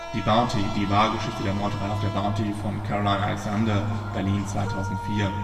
Die Bounty. Die wahre Geschichte der Meuterei auf der Bounty von Caroline Alexander, Berlin 2004